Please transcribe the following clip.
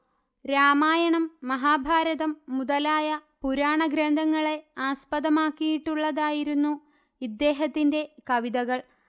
രാമായണം മഹാഭാരതം മുതലായ പുരാണഗ്രന്ഥങ്ങളെ ആസ്പദമാക്കിയിട്ടുള്ളതായിരുന്നു ഇദ്ദേഹത്തിന്റെ കവിതകൾ